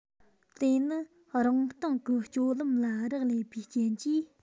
དེ ནི རང སྟེང གི སྤྱོད ལམ ལ རག ལས པའི རྐྱེན གྱིས